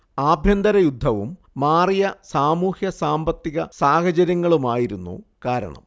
ആഭ്യന്തര യുദ്ധവും മാറിയ സാമൂഹ്യ സാമ്പത്തിക സാഹചര്യങ്ങളുമായിരുന്നു കാരണം